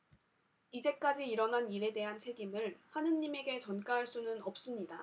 이제까지 일어난 일에 대한 책임을 하느님에게 전가할 수는 없습니다